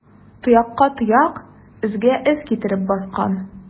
Тоякка тояк, эзгә эз китереп баскан.